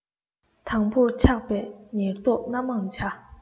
དང པོར ཆགས པའི ཉེར བསྡོགས རྣམ མང བྱ